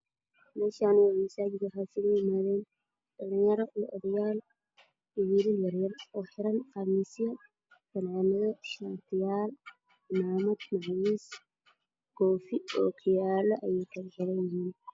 Waa masaajid waxaa iskugu imaaday dhalinyaro iyo odayaal waxa ay wataan khamiisyo madow cadaan guduud qaxooy